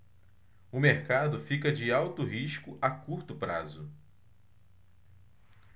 o mercado fica de alto risco a curto prazo